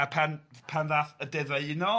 ...a pan pan ddaeth y deddaino a